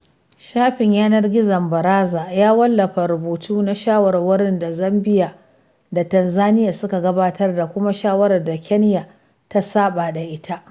Shafin yanar gizon Baraza ya wallafa rubutun na shawarwarin da Zambia da Tanzania suka gabatar da kuma shawarar da Kenya ta saɓa da ita.